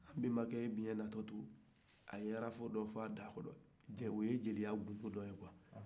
an bɛnbakɛ ye biɲɛ natɔ to a ye arafu dɔ fɔ a da kɔnɔ o ye jeliya gundo dɔ ye